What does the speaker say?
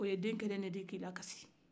o ye den kɛlen de ye k'i la kasi